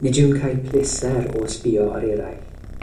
Nid yw'n cael pleser o ysbïo or eraill.